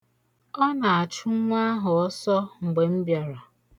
Ọ na-achụ nwa ahụ ọsọ mgbe m bịara.